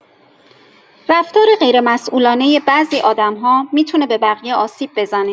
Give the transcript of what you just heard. رفتار غیرمسئولانه بعضی آدم‌ها می‌تونه به بقیه آسیب بزنه.